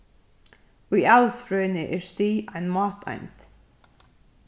í alisfrøðini er stig ein máteind